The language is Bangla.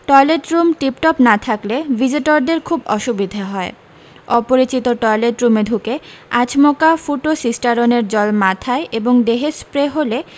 টয়লেট রুম টিপটপ না থাকলে ভিজিটরদের খুব অসুবিধে হয় অপরিচিত টয়লেট রুমে ঢুকে আচমকা ফুটো সিষ্টারনের জল মাথায় এবং দেহে স্প্রে হলে